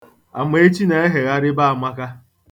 Amaechi na-ehegharị be Amaka.